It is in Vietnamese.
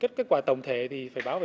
kết quả tổng thể thì phải báo